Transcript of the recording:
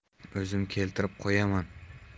o'zim keltirib qo'yaman